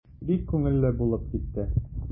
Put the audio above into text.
Бик күңелле булып китте.